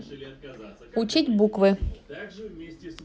учить буквы